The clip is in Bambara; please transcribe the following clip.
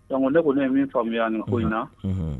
Dɔnku ko ne ko ne ye min fa yan ni ko inina